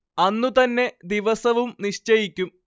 അന്നുതന്നെ ദിവസവും നിശ്ചയിക്കും